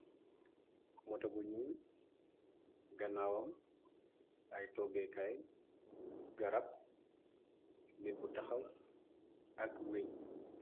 Moto bu ñyul ganaawam ay toggeekaay garab nit bu taxaw ak weñ.